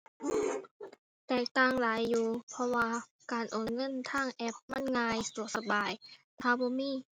แตกต่างหลายอยู่ เพราะว่า การโอนเงินทางแอปมันง่าย สะดวกสบาย ถ้าบ่มี